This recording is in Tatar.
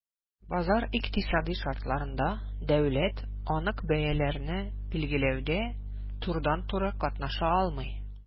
Базар икътисады шартларында дәүләт анык бәяләрне билгеләүдә турыдан-туры катнаша алмый.